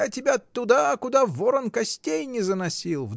я тебя туда, куда ворон костей не заносил